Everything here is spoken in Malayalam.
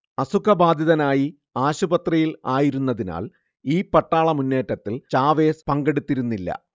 അസുഖബാധിതനായി ആശുപത്രിയിൽ ആയിരുന്നതിനാൽ ഈ പട്ടാളമുന്നേറ്റത്തിൽ ചാവേസ് പങ്കെടുത്തിരുന്നില്ല